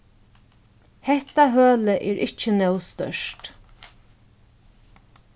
hetta hølið er ikki nóg stórt